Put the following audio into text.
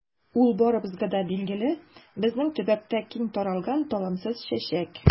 Ул барыбызга да билгеле, безнең төбәктә киң таралган талымсыз чәчәк.